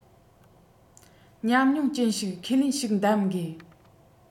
ཉམས མྱོང ཅན ཞིག ཁས ལེན ཞིག གདམ དགོས